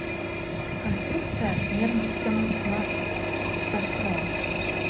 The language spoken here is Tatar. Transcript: Конструкция нерв системасына тоташтырыла.